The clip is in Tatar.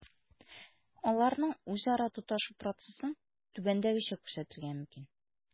Аларның үзара тоташу процессын түбәндәгечә күрсәтергә мөмкин: